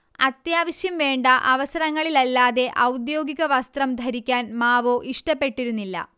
അത്യാവശ്യം വേണ്ട അവസരങ്ങളില്ലല്ലാതെ ഔദ്യോഗിക വസ്ത്രം ധരിക്കാൻ മാവോ ഇഷ്ടപ്പെട്ടിരുന്നില്ല